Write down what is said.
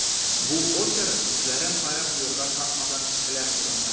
Бу опера үзләрен кая куярга тапмаган кешеләр турында.